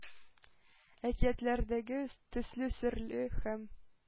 Әкиятләрдәге төсле серле һәм